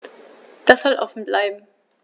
Das soll offen bleiben.